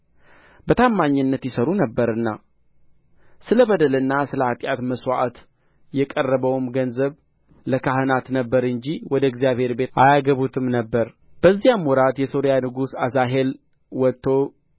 በታማኝነት ይሠሩ ነበርና ስለ በደልና ሰለ ኃጢአት መሥዋዕት የቀረበውም ገንዘብ ለካህናት ነበረ እንጂ ወደ እግዚአብሔር ቤት አያገቡትም ነበር በዚያም ወራት የሶርያ ንጉሥ አዛሄል ወጥቶ